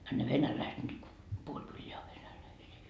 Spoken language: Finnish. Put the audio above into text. a ne venäläiset nyt kun puoli kylää on venäläisiä